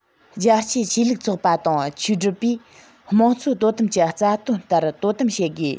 རྒྱལ གཅེས ཆོས ལུགས ཚོགས པ དང ཆོས སྒྲུབ པས དམངས གཙོའི དོ དམ གྱི རྩ དོན ལྟར དོ དམ བྱེད དགོས